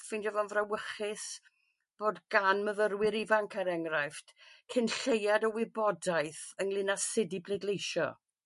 ffeindio fo'n frawychus fod gan myfyrwyr ifanc er enghraifft cyn lleiad o wybodaeth ynglŷn â sud i bleidleisio.